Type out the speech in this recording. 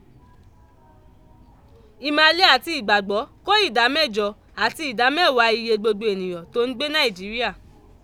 Ìmàle àti Ìgbàgbọ́ kó ìdá mẹ́jọ àti ìdá mẹ́wàá iye gbogbo ènìyàn t'ó ń gbé Nàìjíríà.